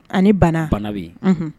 Ani banna bana bɛ ye